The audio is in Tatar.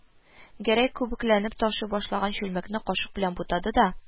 Гәрәй күбекләнеп ташый башлаган чүлмәкне кашык белән бутады да: